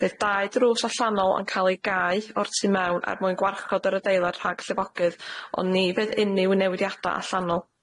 Fydd dau drws allanol yn cael eu gae o'r tu mewn er mwyn gwarchod yr adeilad rhag llifogydd ond ni fydd unnyw i newidiada' allanol.